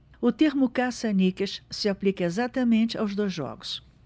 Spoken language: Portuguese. o termo caça-níqueis se aplica exatamente aos dois jogos